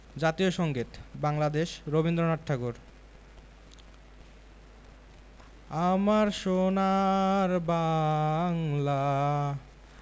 জাতীয় সংগীত বাংলাদেশ রবীন্দ্রনাথ ঠাকুর আমার সোনার বাংলা